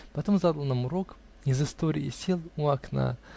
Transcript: потом задал нам урок из истории и сел у окна.